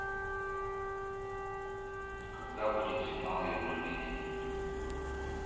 когда будет финал евровидения